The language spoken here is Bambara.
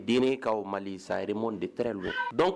Den ka mali saremo de tarawele la